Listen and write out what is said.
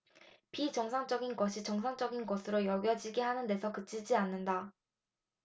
비정상적인 것이 정상적인 것으로 여겨지게 하는 데서 그치지 않는다